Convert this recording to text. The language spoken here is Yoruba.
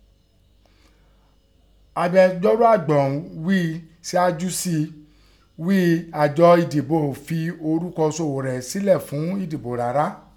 Agbẹjọ́rò àgbà ọ̀hún lá wi síájú si I wí i àjọ ìdìbò o fi ọrúkọ Ṣòghòrẹ́ sílẹ̀ fún ìdìbọ̀ ààre rárá.